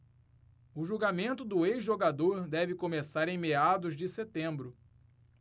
o julgamento do ex-jogador deve começar em meados de setembro